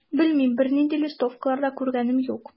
Белмим, бернинди листовкалар да күргәнем юк.